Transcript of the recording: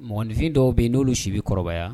Mɔgɔninfin dɔw bɛ yen n'olu si bɛ kɔrɔbaya